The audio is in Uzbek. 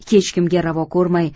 hech kimga ravo ko'rmay